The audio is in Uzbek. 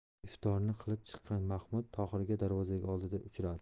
iftorni qilib chiqqan mahmud tohirga darvoza oldida uchradi